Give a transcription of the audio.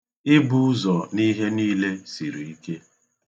Ibu ụzọ n'ihe niile siri ike.